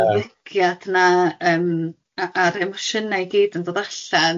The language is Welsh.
...yr egiad yna yym a a'r emosiyna i gyd yn dod allan.